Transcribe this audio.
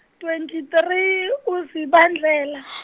twenty three uZibandlela .